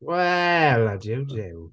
Wel a jiw jiw!